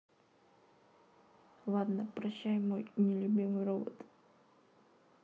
ладно прощай мой мой нелюбимый робот